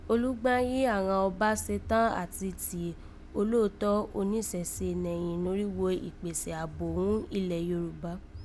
Olúgbán jí àghan ọba se tán àti tì olóòtó onísẹ̀sé nẹ̀yìn norígho ìkpèsè àbò ghún ilẹ̀ Yoruba